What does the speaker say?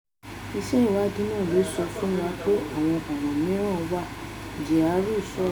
"... Iṣẹ́ ìwádìí náà lè ṣọ fún wa pe àwọn ọ̀ràn mìíràn wà," Gicheru sọ̀rọ̀.